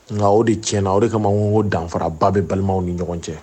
Nka o de ti na o de kama n ko danfaraba bɛ balimaw ni ɲɔgɔn cɛ